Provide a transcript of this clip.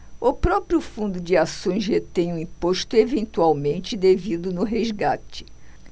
o próprio fundo de ações retém o imposto eventualmente devido no resgate